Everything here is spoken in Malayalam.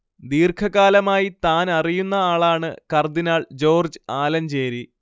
ദീർഘകാലമായി താനറിയുന്ന ആളാണ് കർദിനാൾ ജോർജ്ജ് ആലഞ്ചേരി